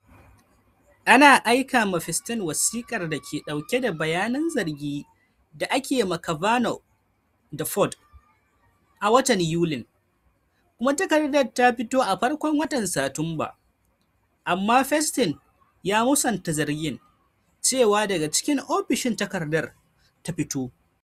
An aika ma Feinstein wasikar da ke dauke da bayanan zargin da ake ma Kavanaugh daga Ford a watan Yulin, kuma takaddar ta fita a farkon watan Satumbar - amma Feinstein ya musanta zargin cewa daga cikin ofishin takaddar ta fito.